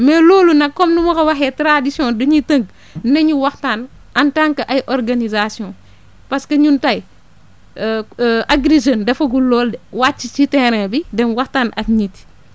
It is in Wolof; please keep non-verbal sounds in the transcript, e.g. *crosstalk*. mais loolu nag comme nu ma ko waxee tradition dañuy tënk *breath* ne ñu waxtaan en tant que ay organisations parce que ñun tey *hesitation* Agri Jeunes defagul loolu de wàcc si terrain bi dem waxtaan ak nit yi